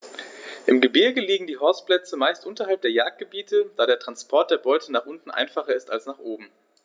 Im Gebirge liegen die Horstplätze meist unterhalb der Jagdgebiete, da der Transport der Beute nach unten einfacher ist als nach oben.